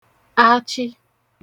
achị